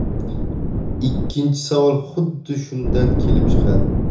ikkinchi savol xuddi shundan kelib chiqadi